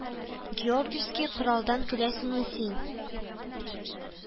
Георгиевский коралдан көләсеңме син